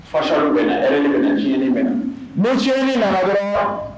Fasa bɛ yɛrɛ de bɛnaɲɛn bɛna ncɲɛnini nana yɔrɔ wa